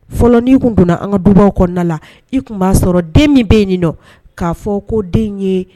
Fɔlɔ nin tun donna an ka dubaw kɔnɔna la, i tun b'a sɔrɔ den min bɛ yen nin nɔ k'a fɔ ko den in ye